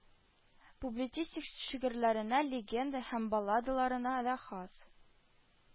Публицистик шигырьләренә, легенда һәм балладаларына да хас